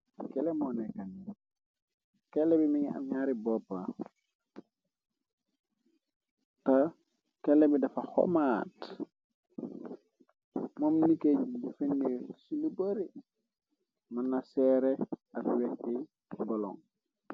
kele moneka kele bi mi ngi am ñaari bopp te kele bi dafa xomaad moom nikeey bufenil ci lu bari mën na seere ak weti bolon.